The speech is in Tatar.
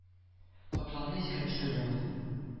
Катламны искә төшерә ул